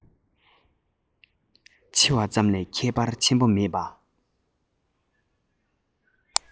ཆེ བ ཙམ ལས ཁྱད པར ཆེན པོ མེད པ